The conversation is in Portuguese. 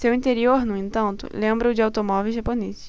seu interior no entanto lembra o de automóveis japoneses